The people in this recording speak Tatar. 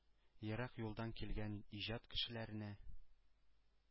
Ерак юлдан килгән иҗат кешеләренә.